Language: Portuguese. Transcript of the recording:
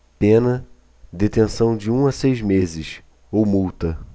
pena detenção de um a seis meses ou multa